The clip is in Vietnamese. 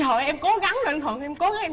trời ơi em cố gắng rồi anh thuận em cố gắng em